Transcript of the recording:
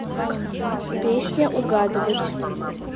песня угадывать